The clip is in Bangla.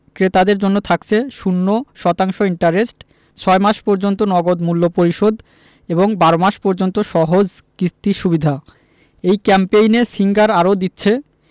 ক্রেতাদের জন্য থাকছে ০% ইন্টারেস্টে ৬ মাস পর্যন্ত নগদ মূল্য পরিশোধ এবং ১২ মাস পর্যন্ত সহজ কিস্তি সুবিধা এই ক্যাম্পেইনে সিঙ্গার আরো দিচ্ছে